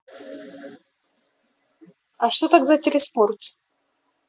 а что тогда телеспорт